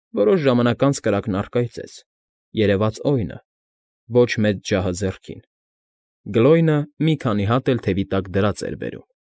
Որոշ ժամանակ անց կրակն առկայծեց. երևաց Օյնը, ոչ մեծ ջահը ձեռքին, Գլոյնը մի քանի հատ էլ թևի տակ դրած էր բերում։